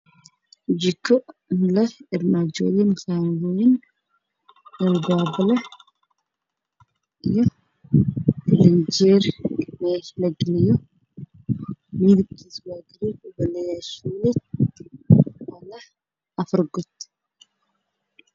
Waa jiko lehh armaajo midabkeedu yahay madow